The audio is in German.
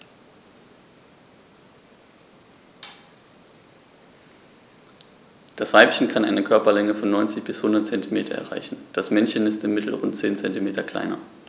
Das Weibchen kann eine Körperlänge von 90-100 cm erreichen; das Männchen ist im Mittel rund 10 cm kleiner.